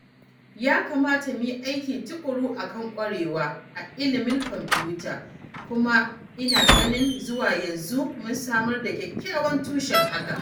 Ya kamata mu yi aiki tuƙuru akan ƙwarewa a ilimin kwamfuta kuma ina ganin zuwa yanzu mun samar da kyakkyawan tushen hakan.